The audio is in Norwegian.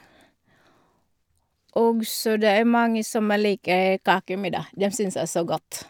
Og så det er mange som liker kaker mi, da, dem syns er så godt.